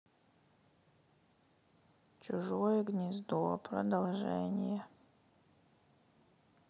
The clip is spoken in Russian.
чужое гнездо продолжение